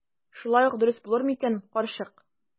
Шулай ук дөрес булыр микән, карчык?